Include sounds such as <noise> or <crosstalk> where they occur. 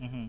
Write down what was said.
<hesitation> <hesitation>